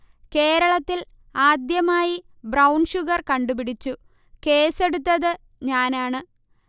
കേരളത്തിൽ ആദ്യമായി 'brown sugar' കണ്ടുപിടിച്ചു, കേസ്സെടുത്തത് ഞാനാണ്